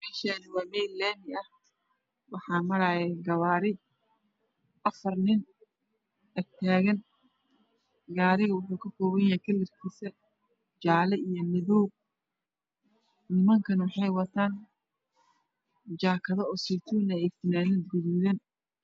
Meeshan waa meel laami ah waxaa marayo gawaari afrni agtaagan gaari waxa uu kakooban yahay kalarkiisa jaalo iyo madoow nimankana waxay wataan jakado oo saytuun ah iyo funaanado gud guduudan